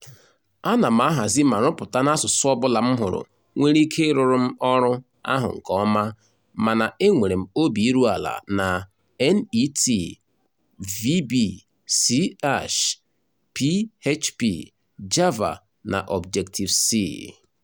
Ana m ahazi ma rụpụta n'asụsụ ọbụla m hụrụ nwere ike ịrụrụ m ọrụ ahụ nke ọma mana enwere m obi iru ala na .NET (VB, C#), PHP, java na Objective C.